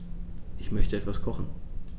Ich möchte etwas kochen.